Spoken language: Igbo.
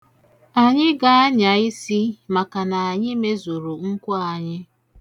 Anyị ga-anya isi maka na anyị mezuru nkwa anyị.